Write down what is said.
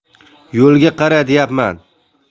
yo'lga qara deyapman